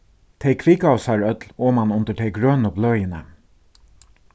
tey kvikaðu sær øll oman undir tey grønu bløðini